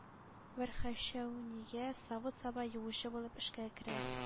Бер хэрчэүнигә савыт-саба юучы булып эшкә керә.